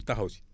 taxaw si